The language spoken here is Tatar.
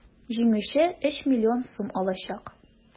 Җиңүче 3 млн сум алачак.